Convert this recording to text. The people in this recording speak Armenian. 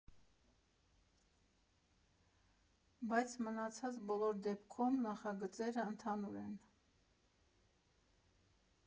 Բայց մնացած բոլոր դեպքում նախագծերը ընդհանուր են։